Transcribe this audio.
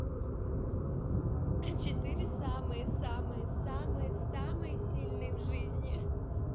а четыре самые самые самые самые сильные в жизни